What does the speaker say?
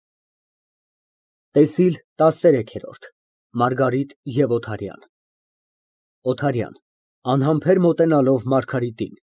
ՏԵՍԻԼ ՏԱՍԵՐԵՔԵՐՈՐԴ ՄԱՐԳԱՐԻՏ ԵՎ ՕԹԱՐՅԱՆ ՕԹԱՐՅԱՆ ֊ (Անհամբեր մոտենալով Մարգարիտին)